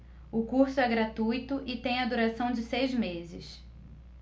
o curso é gratuito e tem a duração de seis meses